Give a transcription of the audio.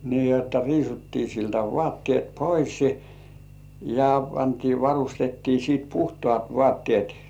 niin jotta riisuttiin siltä vaatteet pois ja pantiin varustettiin sitten puhtaat vaatteet